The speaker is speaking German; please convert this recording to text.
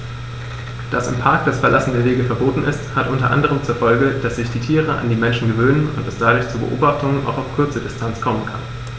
Dass im Park das Verlassen der Wege verboten ist, hat unter anderem zur Folge, dass sich die Tiere an die Menschen gewöhnen und es dadurch zu Beobachtungen auch auf kurze Distanz kommen kann.